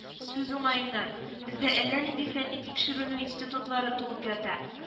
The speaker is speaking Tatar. Сүз уңаеннан, бездә әллә нинди фәнни-тикшеренү институтлары тулып ята